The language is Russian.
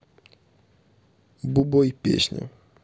бубой песня